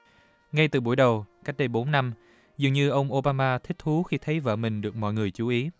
ngay từ bủi đầu cách đây bốn năm dường như ông ô ba ma thích thú khi thấy vợ mừn được mọi người chú ý